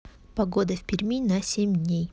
погода в перми на семь дней